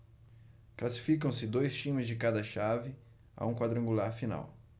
classificam-se dois times de cada chave a um quadrangular final